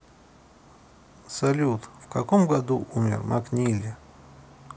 салют в каком году умер макнили